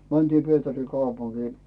mentiin Pietarin kaupunkiin